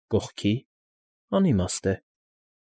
Կողքի՞։ Անիմաստ է։